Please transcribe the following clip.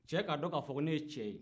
cɛ k'a don k'a fɔ ne ye cɛ ye